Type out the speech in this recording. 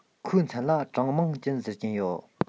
ཁོའི མཚན ལ ཀྲང མིང ཅུན ཟེར གྱི ཡོད